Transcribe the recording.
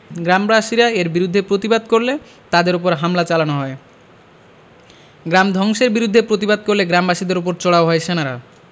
গ্রামবাসীরা এর বিরুদ্ধে প্রতিবাদ করলে তাদের ওপর হামলা চালানো হয় গ্রাম ধ্বংসের বিরুদ্ধে প্রতিবাদ করলে গ্রামবাসীদের ওপর চড়াও হয় সেনারা